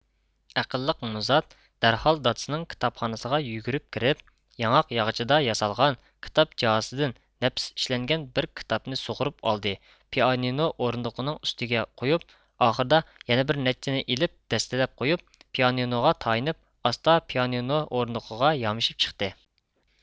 ئەقىللىق مۇزات دەرھال دادىسىنىڭ كىتابخانىسىغا يۈگۈرۈپ كىرىپ ياڭاق ياغىچىدا ياسالغان كىتاب قازىسىدىن نەپىس ئىشلەنگەن بىر كىتابنى سۇغۇرۇپ ئالدى پىئانىنو ئورۇندىقىنىڭ ئۈستىگە قويۇپ ئاخىرىدا يەنە بىر نەچچىنى ئېلىپ دەستىلەپ قويۇپ پىئانىنوغا تايىنىپ ئاستا پىئانىنو ئورۇندۇقىغا يامىشىپ چىقتى